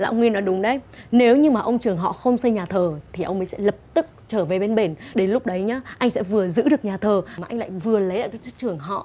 lão nguyên nói đúng đấy nếu như mà ông trưởng họ không xây nhà thờ thì ông ấy lập tức trở về bên mình đến lúc đấy nhá anh sẽ vừa giữ được nhà thờ mà anh vừa lấy lại được chức trưởng họ